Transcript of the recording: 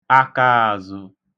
akaāzụ̄